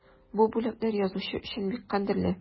Бу бүләкләр язучы өчен бик кадерле.